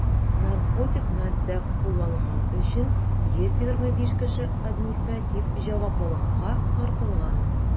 Наркотик матдә кулланган өчен 125 кеше административ җаваплылыкка тартылган.